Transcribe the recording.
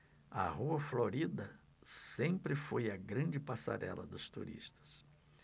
a rua florida sempre foi a grande passarela dos turistas